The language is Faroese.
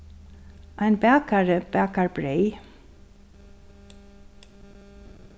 ein bakari bakar breyð